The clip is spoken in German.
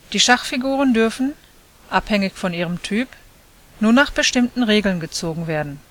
Die Schachfiguren dürfen, abhängig von ihrem Typ, nur nach bestimmten Regeln gezogen werden